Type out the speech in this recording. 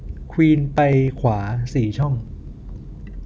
ควีนไปขวาสี่ช่อง